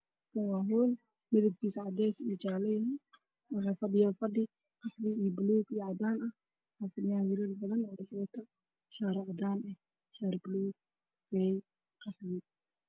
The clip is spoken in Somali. Halkaani waa howl midabkiisa cadaan iyo jaalle yahay waxaa fadhiya fadhi qaxwi baluug iyo cadaan ah waxaa fadhiyo wiilal badan oo wato shaarar cadaan baluug kafay gaxwi.